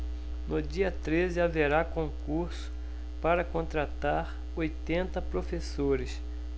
no dia treze haverá concurso para contratar oitenta professores